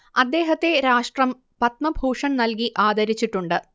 അദ്ദേഹത്തെ രാഷ്ട്രം പദ്മഭൂഷൻ നൽകി ആദരിച്ചിട്ടുണ്ട്